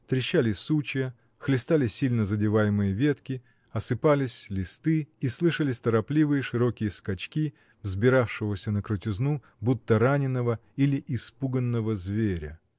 Трещали сучья, хлестали сильно задеваемые ветви, осыпались листы, и слышались торопливые, широкие скачки — взбиравшегося на крутизну, будто раненого или испуганного зверя.